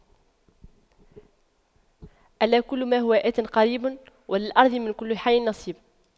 ألا كل ما هو آت قريب وللأرض من كل حي نصيب